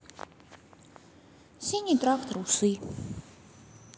синий трактор усы